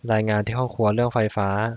รายงานที่ห้องครัวเรื่องไฟฟ้า